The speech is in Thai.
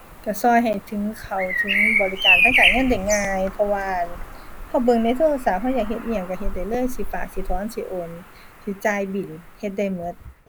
ก็ก็ให้ถึง เข้าถึงบริการทางการเงินได้ง่าย เพราะว่า อั่น ก็เบิ่งในโทรศัพท์ ก็อยากเฮ็ดอิหยังก็เฮ็ดได้เลย สิฝาก สิถอน สิโอน สิจ่ายบิล เฮ็ดได้ก็